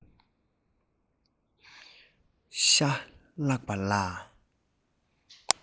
ཤ རྒྱགས པ ལ